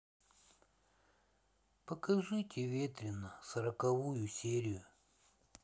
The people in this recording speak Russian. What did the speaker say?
покажите ветренно сороковую серию